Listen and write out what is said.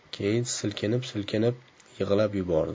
keyin silkinib silkinib yig'lab yubordi